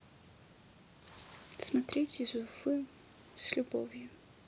смотреть из уфы с любовью